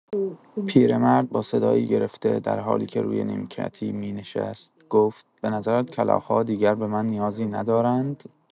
پیرمرد با صدایی گرفته، درحالی‌که روی نیمکتی می‌نشست، گفت: «به‌نظرت کلاغ‌ها دیگر به من نیازی ندارند؟!»